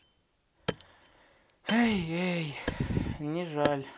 эй эй не жаль